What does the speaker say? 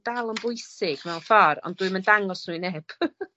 dal yn bwysig mewn ffordd ond dwi'm yn dangos nw i neb.